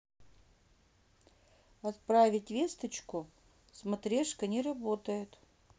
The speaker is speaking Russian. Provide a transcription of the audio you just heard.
отправить весточку смотрешка не работает